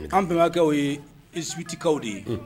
An bɛnbakɛ ye subitikaw de ye